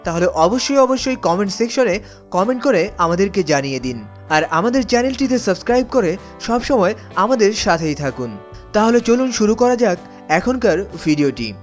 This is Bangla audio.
তাহলে অবশ্যই অবশ্যই কমেন্ট সেকশনে কমেন্ট করে আমাদেরকে জানিয়ে দিন আর আমাদের চ্যানেলটিকে সাবস্ক্রাইব করে সবসময় আমাদের সাথেই থাকুন তাহলে চলুন শুরু করা যাক এখনকার ভিডিওটি